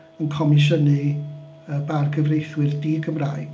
Yn comisiynu yy bargyfrieithwyr di-Gymraeg.